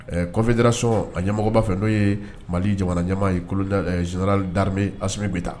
Fedirason a ɲɛmɔgɔba fɛ n'o ye mali jamanajamaa ye zra as bɛ taa